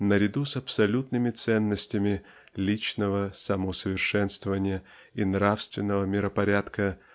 наряду с абсолютными ценностями -- личного самоусовершенствования и нравственного миропорядка